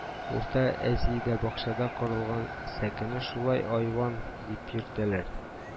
—урта азиядә бакчада корылган сәкене шулай айван дип йөртәләр